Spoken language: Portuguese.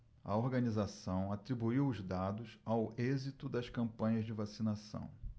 a organização atribuiu os dados ao êxito das campanhas de vacinação